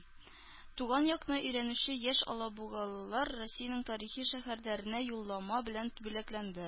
Туган якны өйрәнүче яшь алабугалылар Россиянең тарихи шәһәрләренә юллама белән бүләкләнде